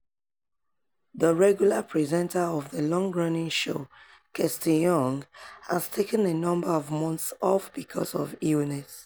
The regular presenter of the long-running show, Kirsty Young, has taken a number of months off because of illness.